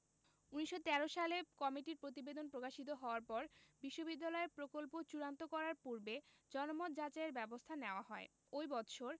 ১৯১৩ সালে কমিটির প্রতিবেদন প্রকাশিত হওয়ার পর বিশ্ববিদ্যালয়ের প্রকল্প চূড়ান্ত করার পূর্বে জনমত যাচাইয়ের ব্যবস্থা নেওয়া হয় ঐ বৎসরই